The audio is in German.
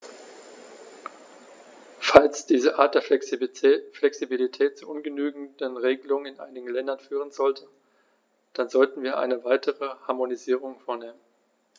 Falls diese Art der Flexibilität zu ungenügenden Regelungen in einigen Ländern führen sollte, dann sollten wir eine weitere Harmonisierung vornehmen.